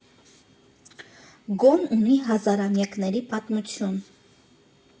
Գոն ունի հազարամյակների պատմություն։